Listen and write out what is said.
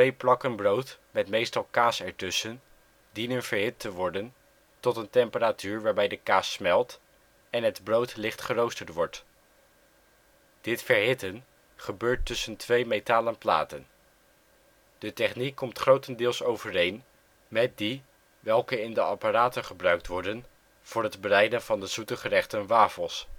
plakken brood met meestal kaas ertussen dienen verhit te worden tot een temperatuur waarbij de kaas smelt, en het brood licht geroosterd wordt. Dit verhitten gebeurt tussen twee metalen platen. De techniek komt grotendeels overeen met die welke in de apparaten gebruikt worden voor het bereiden van de zoete gerechten wafels